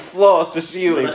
Floor to ceiling